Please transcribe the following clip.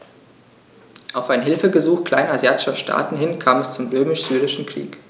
Auf ein Hilfegesuch kleinasiatischer Staaten hin kam es zum Römisch-Syrischen Krieg.